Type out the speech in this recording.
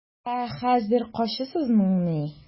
Ә хәзер качасызмыни?